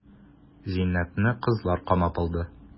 Зиннәтне кызлар камап алды.